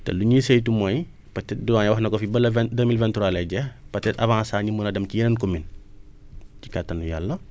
te lu ñuy saytu mooy peut être doyen wax na ko fi ba le vingt deux mille vingt trois lay jeex peut être avant sax ñu mën a dem ci yeneen communes ci kattanu yàlla